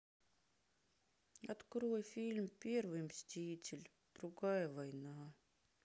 открой фильм первый мститель другая война